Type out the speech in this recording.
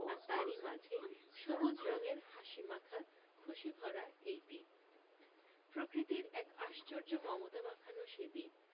আর তার ই মাঝে সবুজ রঙের হাসিমাখা খুশিভরা এই দ্বীপ প্রকৃতির এক আশ্চর্য মমতা মাখানো সে দ্বীপ